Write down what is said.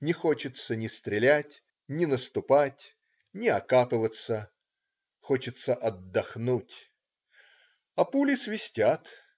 Не хочется ни стрелять, ни наступать, ни окапываться. Хочется отдохнуть. А пули свистят.